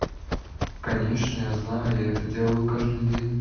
конечно я знаю я это делаю каждый день